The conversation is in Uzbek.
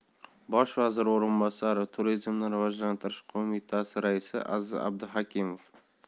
bosh vazir o'rinbosari turizmni rivojlantish qo'mitasi raisi aziz abduhakimov